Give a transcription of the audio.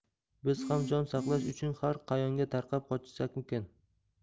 biz ham jon saqlash uchun har qayonga tarqab qochsakmikin